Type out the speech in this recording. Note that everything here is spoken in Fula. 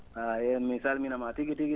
haa eeyi mi salminamaa tigi tigi